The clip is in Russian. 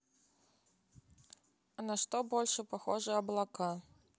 а на что больше похожи облака